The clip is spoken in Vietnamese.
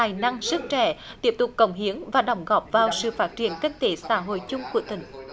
tài năng sức trẻ tiếp tục cống hiến và đóng góp vào sự phát triển kinh tế xã hội chung của tỉnh